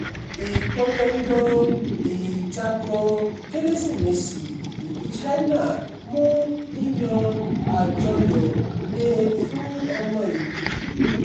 Ìpolongo ìtakò Kérésìmesì ìlú China mú yíyan àjọyọ̀ le fún ọmọ-ìlú